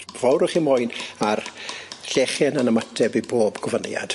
Fawr o'ch chi moyn a'r llechen yn ymateb i bob gofyniad.